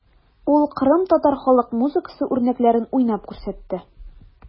Ул кырымтатар халык музыкасы үрнәкләрен уйнап күрсәтте.